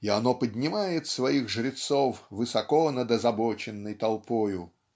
и оно поднимает своих жрецов высоко над озабоченной толпою.